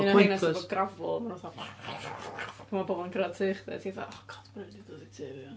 Un... Pointless. ...o heina sy efo gravel, maen nhw fel pan ma' pobl yn cyrraedd ty chdi, a ti fatha "o God, maen nhw 'di dod i tŷ fi 'wan".